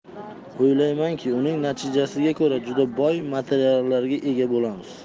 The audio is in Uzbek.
o'ylaymanki uning natijasiga ko'ra juda boy materiallarga ega bo'lamiz